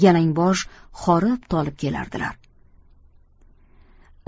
yalangbosh horib tolib kelardilar